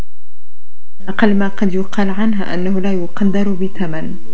اقل ما يقال عنه انه لا يقدر بثمن